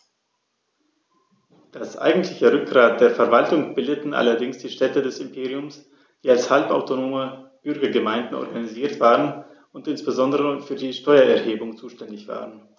Das eigentliche Rückgrat der Verwaltung bildeten allerdings die Städte des Imperiums, die als halbautonome Bürgergemeinden organisiert waren und insbesondere für die Steuererhebung zuständig waren.